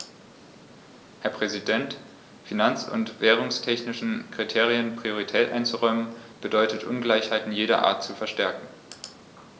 Herr Präsident, finanz- und währungstechnischen Kriterien Priorität einzuräumen, bedeutet Ungleichheiten jeder Art zu verstärken.